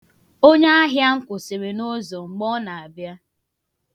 Onyaahịa m kwụsịrị n'ụzọ mgbe ọ na-abịa.